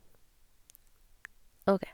OK.